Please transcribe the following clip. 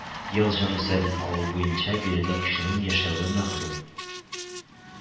Ел җанисәбен алу буенча биредә кешенең яшәве мәгълүм